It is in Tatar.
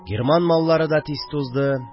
Герман маллары да тиз тузды